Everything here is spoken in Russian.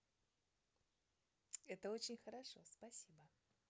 это очень хорошо спасибо